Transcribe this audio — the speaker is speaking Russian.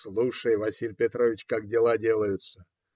Слушай, Василий Петрович, как дела делаются.